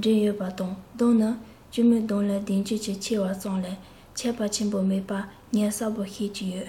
འདྲེས ཡོད པ དང གདོང ནི གཅུང མོའི གདོང ལས ལྡབ འགྱུར གྱིས ཆེ བ ཙམ ལས ཁྱད པར ཆེན པོ མེད པ ངས གསལ པོར ཤེས ཀྱི ཡོད